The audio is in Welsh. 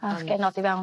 A 'oth genod i fewn...